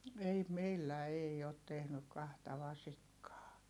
ei meillä ei ole tehnyt kahta vasikkaa